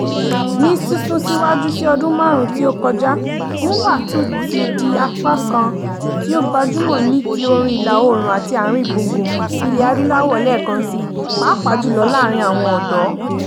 Ní sísún síwájú sí ọdún márùn-ún tí ó kọjá, Rhumba tún ti di apákan tí ó gbajúmò ní ti orin Ìlà-Oòrùn àti Ààrin Gbùngbùn Ilẹ̀ Adúláwò lẹ́ẹ̀kansi, pàápàá jùlọ láàárín àwọn ọ̀dọ́.